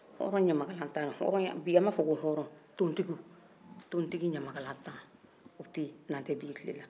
hɔrɔn ɲamakatan bi an b'a fɔ ko hɔrɔn tontigiw tontigi ɲamakatan o tɛ yen n'an tɛ bi tile la